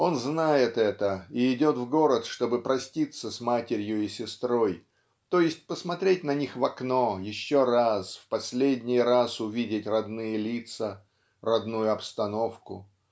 Он знает это и идет в город, чтобы проститься с матерью и сестрой, т. е. посмотреть на них в окно еще раз в последний раз увидеть родные лица родную обстановку.